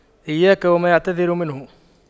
إياك وما يعتذر منه